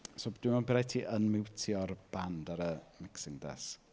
So dwi'n meddwl bydd rhaid ti ynmiwtio'r band ar y mixing desk.